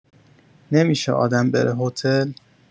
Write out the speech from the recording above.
نمی‌شه آدم بره هتل؟